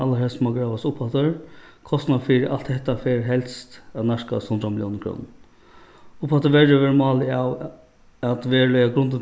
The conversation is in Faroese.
allarhelst má gravast upp aftur kostnaðurin fyri alt hetta fer helst at nærkast hundrað milliónum krónum upp aftur verri verður málið av at veruliga grundin